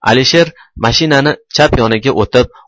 alisher mashinaning chap yoniga o'tib